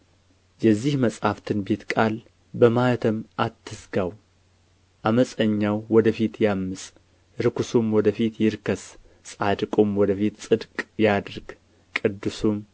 የዚህን መጽሐፍ ትንቢት ቃል በማኅተም አትዝጋው ዓመፀኛው ወደ ፊት ያምፅ ርኵሱም ወደ ፊት ይርከስ ጻድቁም ወደ ፊት ጽድቅ ያድርግ ቅዱሱም